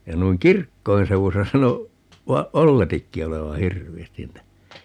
ja noin kirkkojen seudussa sanoi - olletikin olevan hirveästi niitä